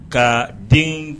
Ka den